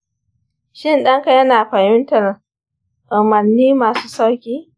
shin ɗanka yana fahimtar umarni masu sauƙi?